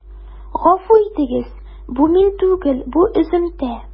Гафу итегез, бу мин түгел, бу өземтә.